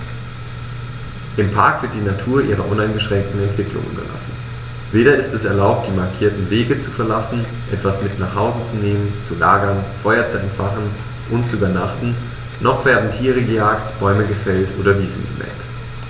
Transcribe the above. Im Park wird die Natur ihrer uneingeschränkten Entwicklung überlassen; weder ist es erlaubt, die markierten Wege zu verlassen, etwas mit nach Hause zu nehmen, zu lagern, Feuer zu entfachen und zu übernachten, noch werden Tiere gejagt, Bäume gefällt oder Wiesen gemäht.